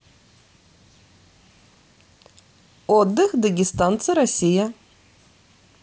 отдых дагестанцы россия